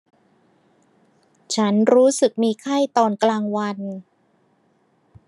ฉันรู้สึกมีไข้ตอนกลางวัน